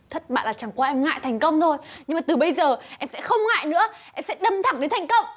thất bại là chẳng qua em ngại thành công thôi nhưng mà từ bây giờ em sẽ không ngại nữa em sẽ đâm thẳng đến thành công